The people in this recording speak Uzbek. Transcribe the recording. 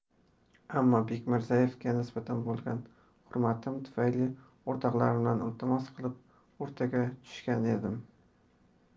ammo bekmirzaevga nisbatan bo'lgan hurmatim tufayli o'rtoqlardan iltimos qilib o'rtaga tushgan edim